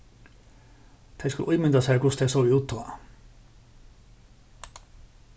tey skulu ímynda sær hvussu tey sóu út tá